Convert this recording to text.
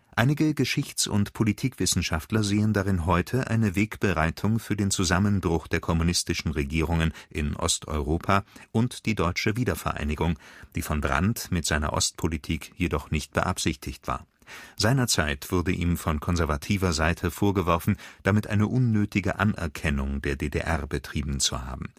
Einige Geschichts - und Politikwissenschaftler sehen darin heute eine Wegbereitung für den Zusammenbruch der kommunistischen Regierungen in Osteuropa und die Deutsche Wiedervereinigung, die von Brandt mit seiner Ostpolitik jedoch nicht beabsichtigt war. Seinerzeit wurde ihm von konservativer Seite vorgeworfen, damit eine unnötige Anerkennung der DDR betrieben zu haben